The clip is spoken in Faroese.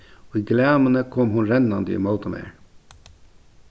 í glæmuni kom hon rennandi ímóti mær